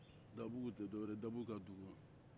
dabɔbugu tɛ dɔwɛrɛ ye dabɔw ka dugu